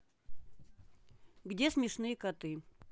где смешные коты